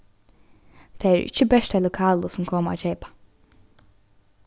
tað eru ikki bert tey lokalu sum koma at keypa